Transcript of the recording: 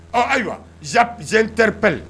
Ɔ ayiwaz teriripɛli